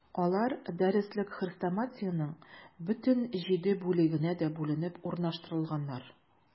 Алар дәреслек-хрестоматиянең бөтен җиде бүлегенә дә бүленеп урнаштырылганнар.